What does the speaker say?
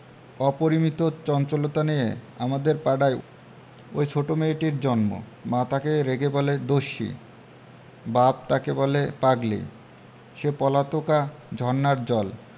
অপরিমিত চঞ্চলতা নিয়ে আমাদের পাড়ায় ঐ ছোট মেয়েটির জন্ম মা তাকে রেগে বলে দস্যি বাপ তাকে বলে পাগলি সে পলাতকা ঝরনার জল